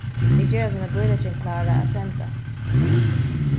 vit gera tína bílegging klára at senda